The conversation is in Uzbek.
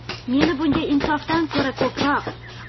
meni bunga insofdan ko'ra ko'proq